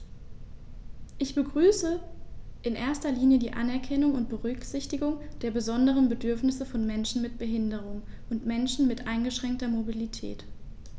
Ich begrüße in erster Linie die Anerkennung und Berücksichtigung der besonderen Bedürfnisse von Menschen mit Behinderung und Menschen mit eingeschränkter Mobilität.